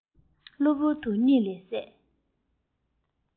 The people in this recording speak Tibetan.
གླུ བུར གཉིད ལས སད